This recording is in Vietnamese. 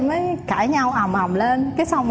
mới cãi nhau hồng hồng lên cái sao